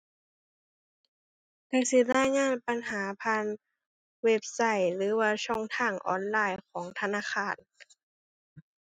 ก็สิรายงานปัญหาผ่านเว็บไซต์ หรือว่าช่องทางออนไลน์ของธนาคาร